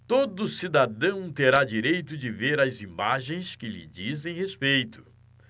todo cidadão terá direito de ver as imagens que lhe dizem respeito